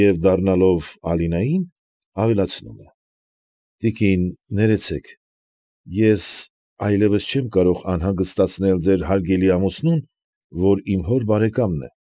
Եվ, դառնալով Ալինային, ավելացնում է. ֊ Տիկին, ներեցեք, ես այլևս չեմ կարող անհանգստացնել ձեր հարգելի ամուսնուն, որ իմ հոր բարեկամն է։